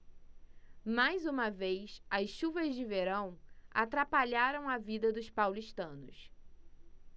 mais uma vez as chuvas de verão atrapalharam a vida dos paulistanos